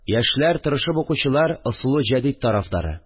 Яшьләр, тырышып укучылар – ысулы җәдид тарафдары